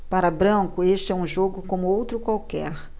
para branco este é um jogo como outro qualquer